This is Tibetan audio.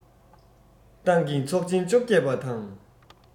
ཏང གི ཚོགས ཆེན བཅོ བརྒྱད པ དང